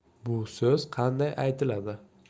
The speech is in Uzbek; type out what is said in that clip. bu so'z qanday aytiladi